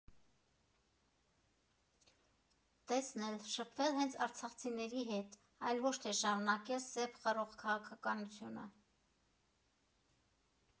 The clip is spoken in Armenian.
Տեսնել, շփվել հենց արցախցիների հետ, այլ ոչ թե շարունակել սեպ խրող քաղաքականությունը։